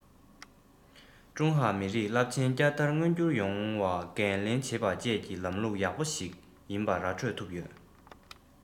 ཀྲུང ཧྭ མི རིགས རླབས ཆེན བསྐྱར དར མངོན འགྱུར ཡོང བ འགན ལེན བྱེད པ བཅས ཀྱི ལམ ལུགས ཡག པོ ཞིག ཡིན པ ར སྤྲོད ཐུབ ཡོད